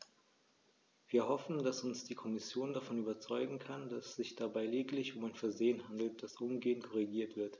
Wir hoffen, dass uns die Kommission davon überzeugen kann, dass es sich dabei lediglich um ein Versehen handelt, das umgehend korrigiert wird.